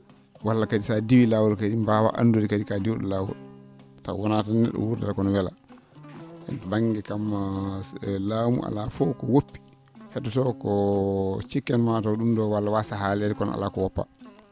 walla kadi so a diwii laawol kadi mbawa andude kadi ko a diw?o laawol taw wonaa tan ne??o wuurdata kono welaa ba?nge kam laamu alaa fof ko woppi heddotoo ko cikken mataw ?um ?o walla waasa haaleede kono alaa ko woppaa